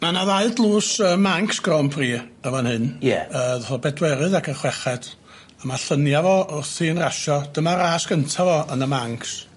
Ma' 'na ddau dlws yy Manx Grand Prix y' fan hyn. Ie. Yy ddoth o Bedwerydd ac yn Chweched a ma' llunia' fo wrthi'n rasio dyma ras gynta fo yn y Manx.